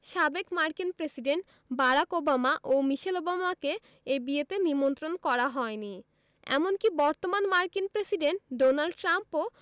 সাবেক মার্কিন president Barack Obama ও মিশেল ওবামাকে এই বিয়েতে নিমন্ত্রণ করা হয়নি এমনকি বর্তমান মার্কিন প্রেসিডেন্ট ডোনাল্ড ট্রাম্প ও